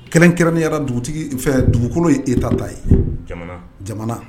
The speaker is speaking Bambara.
Kelenrɛnkɛrɛn'yara dugutigi dugukolo ye e tata ye jamana